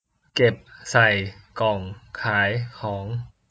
เก็บใส่กล่องขายของ